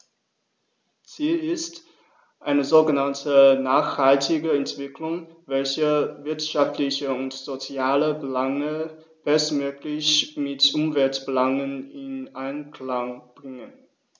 Ziel ist eine sogenannte nachhaltige Entwicklung, welche wirtschaftliche und soziale Belange bestmöglich mit Umweltbelangen in Einklang bringt.